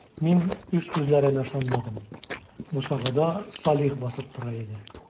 Мин үз күзләремә ышанмадым - бусагада Салих басып тора иде.